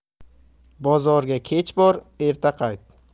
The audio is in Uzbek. bozorga kech bor erta qayt